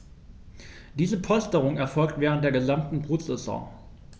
Diese Polsterung erfolgt während der gesamten Brutsaison.